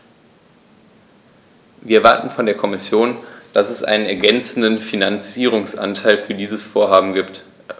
Wir erwarten von der Kommission, dass es einen ergänzenden Finanzierungsanteil für die Vorhaben gibt.